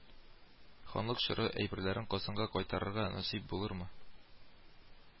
Ханлык чоры әйберләрен Казанга кайтарырга насыйп булырмы